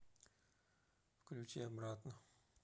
включи обратно